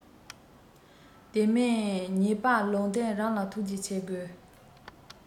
དེ མིན ཉེས པ ལུས སྟེང རང ལ ཐུགས རྗེ ཆེ དགོས